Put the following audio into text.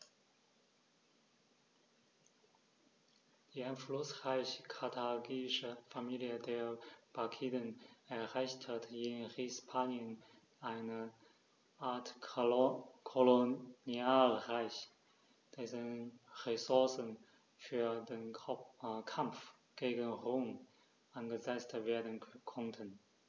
Die einflussreiche karthagische Familie der Barkiden errichtete in Hispanien eine Art Kolonialreich, dessen Ressourcen für den Kampf gegen Rom eingesetzt werden konnten.